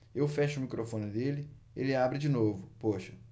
eu fecho o microfone dele ele abre de novo poxa